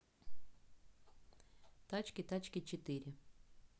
тачки тачки четыре